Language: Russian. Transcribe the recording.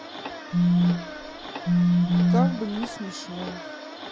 как бы не смешно